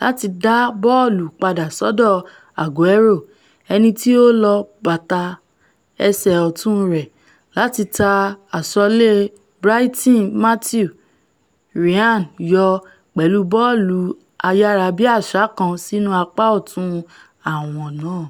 láti dá bọ́ọ̀lù padà sọ́dọ̀ Aguero, ẹniti ó lo bàtà ẹsẹ̀ ọ̀tún rẹ̀ láti ta aṣọ́lé Brighton Mathew Ryan yọ pẹ̀lú bọ́ọ̀lù ayárabí-àṣá kan sínú apá ọ̀tún àwọn náà.